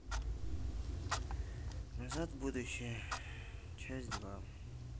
назад в будущее часть два